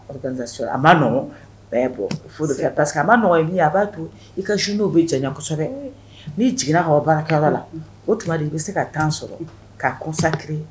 A maɔgɔn a bɔ furu parce que a maɔgɔn a b'a to i ka sun' bɛ jan ni' jiginna ka baara la o tuma de i bɛ se ka taa sɔrɔ'a kɔsa ki